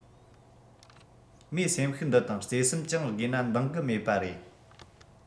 མོས སེམས ཤུགས འདི དང བརྩེ སེམས ཀྱང དགོས ན འདང གི མེད པ རེད